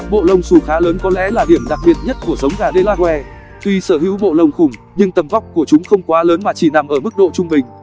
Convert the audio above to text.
bộ lông xù khá lớn có lẽ là điểm nhất đặc biệt của giống gà delaware tuy sở hữu bộ lông khủng nhưng tầm vóc của chúng không quá lớn mà chỉ nằm ở mức độ trung bình